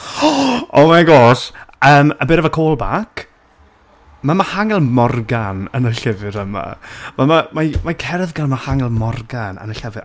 oh oh my gosh, um a bit of a call back, ma' Mihangel Morgan yn y llyfr yma, ma' ma' ma' mae mae cerdd gan Mihangel Morgan yn y llyfr